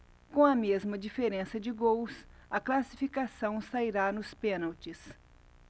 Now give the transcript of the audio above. com a mesma diferença de gols a classificação sairá nos pênaltis